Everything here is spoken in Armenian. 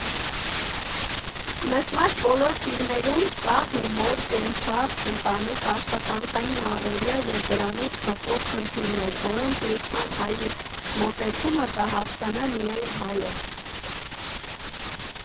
Նշված բոլոր ֆիլմերում կա հումոր, կենցաղ, ընտանիք, աշխատանքային առօրյա և դրանից բխող խնդիրներ, որոնց լուծման հայի մոտեցումը կհասկանա միայն հայը։